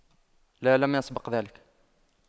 لا لم يسبق ذلك